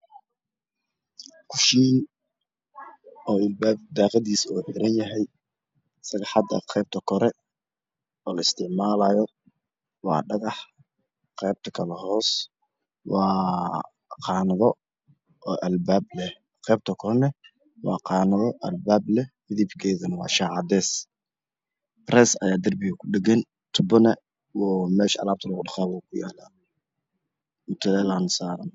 Kushiina oo albaabka daaqadiisa xiran yahay sagxad qaybtisa kore oo la isticmaalayo waa dhagax qaybta kale hoos waa qaanado albaab leh qaybta kalana midabkeeduna waa shaah cadays ah dhareys ayaa darbiga ku dhagan tuubana meesha alaabta lagu dhaqo ku yaalaa mutuleel aana saaran